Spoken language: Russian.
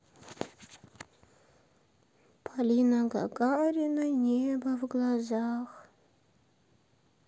полина гагарина небо в глазах